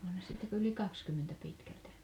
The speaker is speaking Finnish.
onhan siitä yli kaksikymmentä pitkälti